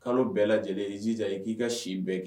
Kalo bɛɛ lajɛ lajɛlenija k'i ka si bɛɛ kɛ